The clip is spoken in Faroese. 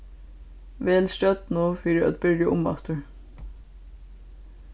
vel stjørnu fyri at byrja umaftur